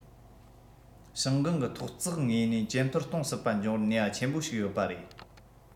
ཞང ཀང གི ཐོག བརྩེགས ངོས ནས ཇེ མཐོར གཏོང སྲིད པ འབྱུང བར ནུས པ ཆེན པོ ཞིག ཡོད པ རེད